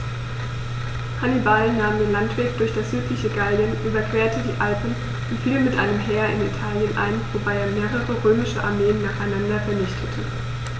Hannibal nahm den Landweg durch das südliche Gallien, überquerte die Alpen und fiel mit einem Heer in Italien ein, wobei er mehrere römische Armeen nacheinander vernichtete.